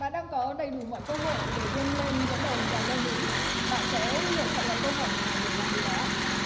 bạn đang có đầy đủ mọi cơ hội để vươn lên dẫn đầu đoàn leo núi bạn sẽ lựa chọn gói câu hỏi nào để làm điều đó ạ